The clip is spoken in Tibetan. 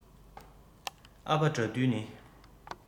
ཨ ཕ དགྲ འདུལ ནི